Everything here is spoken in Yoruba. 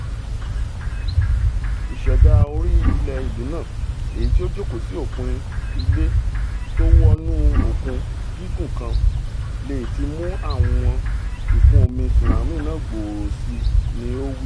Ìṣẹ̀dá orí-ilẹ̀ ìlú náà, èyití ó jókòó sí òpin ilẹ̀ tówọnú òkun, gíguǹ kan, leè ti mú ìwọ̀n ìkún-omi tsunami náà gbòòrò síi, ní ó wí.